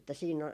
että siinä